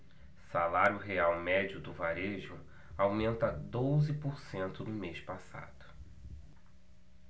salário real médio do varejo aumenta doze por cento no mês passado